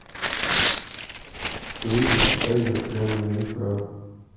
выведи таймер прямо на экран